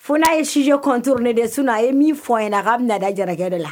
Fo n'a ye s sijɛɔntre de sununa a ye min fɔ ɲɛna na k'a nada jarakɛ de la